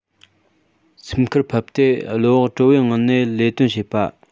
སེམས ཁུར ཕབ སྟེ བློ བག དྲོ བའི ངང ནས ལས དོན བྱེད པ